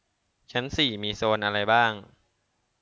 ชั้นสี่มีโซนอะไรบ้าง